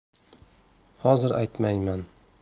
hozir aytmayman